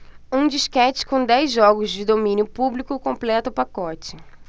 um disquete com dez jogos de domínio público completa o pacote